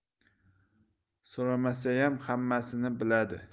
so'ramasayam hammasini biladi